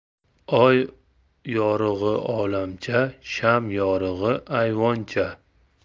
oy yorug'i olamcha sham yorug'i ayvoncha